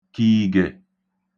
kììgè